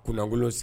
Kun